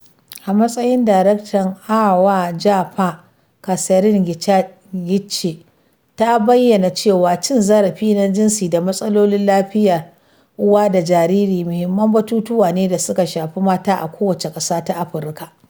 A matsayin daraktan AWJP, Catherine Gicheru ta bayyana cewa cin zarafi na jinsi da matsalolin lafiyar uwa da jariri muhimman batutuwa ne da suka shafi mata a kowace ƙasa ta Afirka.